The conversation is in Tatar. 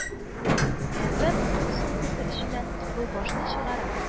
Әнвәр кул сумкасы эченнән «кызыл баш»-ны чыгара